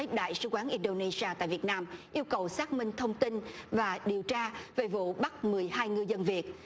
tới đại sứ quán in đô nê si a tại việt nam yêu cầu xác minh thông tin và điều tra về vụ bắt mười hai ngư dân việt